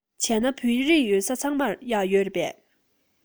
བྱས ན བོད རིགས ཡོད ས ཚང མར གཡག ཡོད རེད པས